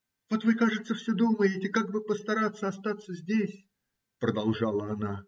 Вот вы, кажется, всё думаете, как бы постараться остаться здесь, продолжала она,